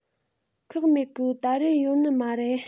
ཁག མེད གི དེ རས ཡོད ནི མ རེད